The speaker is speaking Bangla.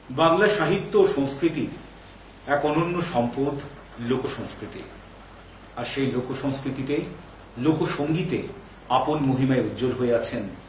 বাংলা সাহিত্য ও সংস্কৃতি র এক অনন্য সম্পদ লোকসংস্কৃতি আর সেই লোকসংস্কৃতিতে লোকসংগীতে আপন মহিমায় উজ্জ্বল হয়ে আছেন